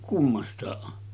kummastakin on